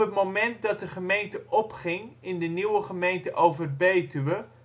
moment dat de gemeente opging in de nieuwe gemeente Overbetuwe